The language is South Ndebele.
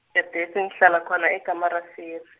sengihlala khona e- Kameelrivier.